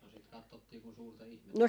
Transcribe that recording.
no sitä katsottiin kuin suurta ihmettä